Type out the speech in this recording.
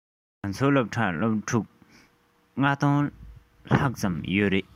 ང ཚོའི སློབ གྲྭར སློབ ཕྲུག ༤༠༠༠ ལྷག ཙམ ཡོད རེད